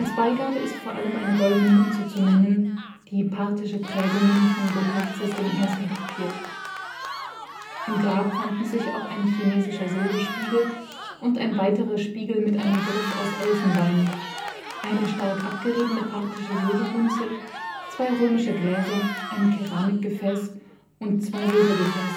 Beigabe ist vor allem eine goldene Münze zu nennen, die parthische Prägungen von Gotarzes I. kopiert. Im Grab fanden sich auch ein chinesischer Silberspiegel und ein weiterer Spiegel mit einem Griff aus Elfenbein, eine stark abgeriebene parthische Silbermünze, zwei römische Gläser, ein Keramikgefäß und zwei Silbergefäße